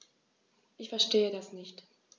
Ich verstehe das nicht.